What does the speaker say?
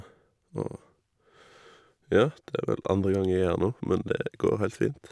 Og, ja, det er vel andre gang jeg er her nå, men det går heilt fint.